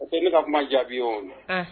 O ko ne ka kuma jaabi o na